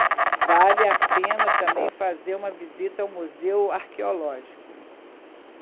vale a pena também fazer uma visita ao museu arqueológico